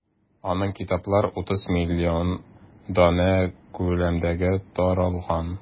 Аның китаплары 30 миллион данә күләмендә таралган.